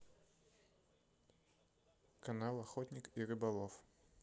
канал охотник и рыболов